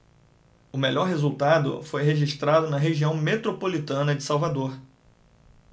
o melhor resultado foi registrado na região metropolitana de salvador